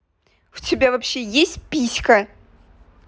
у тебя вообще есть писька